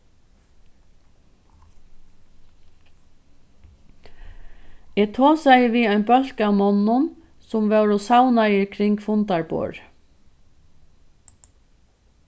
eg tosaði við ein bólk av monnum sum vóru savnaðir kring fundarborðið